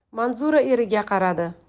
manzura eriga qaradi